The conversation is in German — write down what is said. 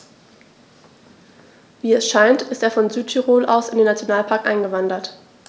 Wie es scheint, ist er von Südtirol aus in den Nationalpark eingewandert.